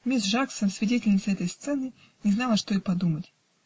Мисс Жаксон, свидетельница этой сцены, не знала, что подумать.